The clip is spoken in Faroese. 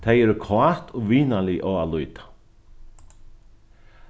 tey eru kát og vinarlig á at líta